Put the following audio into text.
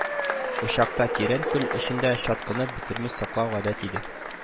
Учакта тирән көл эчендә чаткыны бетерми саклау гадәт иде